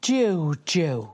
Jiw jiw.